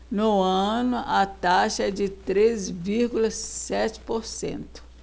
no ano a taxa é de três vírgula sete por cento